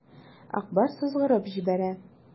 Әкбәр сызгырып җибәрә.